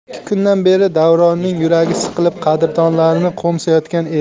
ikki kundan beri davronning yuragi siqilib qadrdonlarini qo'msayotgan edi